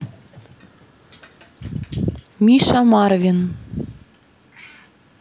миша марвин